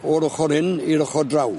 o'r ochor hyn i'r ochor draw.